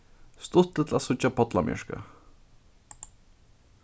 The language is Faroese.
stuttligt at síggja pollamjørka